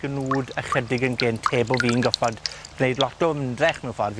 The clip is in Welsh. gnwd ychydig yn gynt heb bo' fi'n goffod gwneud lot o ymdrech, mewn ffordd i